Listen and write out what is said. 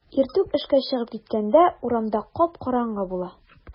Иртүк эшкә чыгып киткәндә урамда кап-караңгы була.